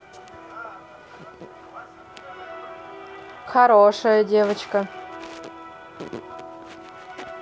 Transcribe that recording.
хорошая девочка